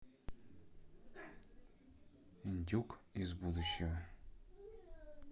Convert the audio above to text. индюк из будущего